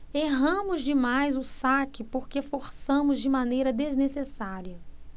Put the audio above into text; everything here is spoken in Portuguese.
erramos demais o saque porque forçamos de maneira desnecessária